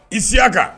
Isiyaka